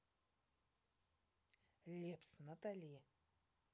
лепс натали